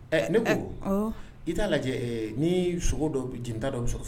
Ɛ ne ko i t'a lajɛ ni sogo dɔ bɛ jta dɔ bɛ sɔn